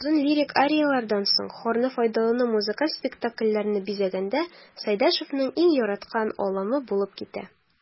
Озын лирик арияләрдән соң хорны файдалану музыкаль спектакльләрне бизәгәндә Сәйдәшевнең иң яраткан алымы булып китә.